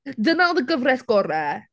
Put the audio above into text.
Dyna oedd y gyfres gorau.